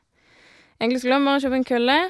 Egentlig skulle han bare kjøpe en kølle.